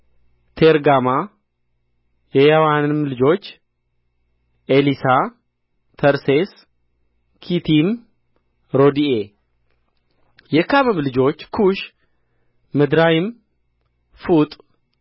ቴርጋማ የያዋንም ልጆች ኤሊሳ ተርሴስ ኪቲም ሮድኢ የካምም ልጆች ኩሽ ምጽራይም ፉጥ